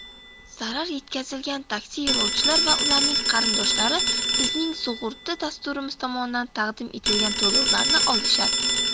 zarar yetkazilgan taksi yo'lovchilari va ularning qarindoshlari bizning sug'urta dasturimiz tomonidan taqdim etilgan to'lovlarni olishadi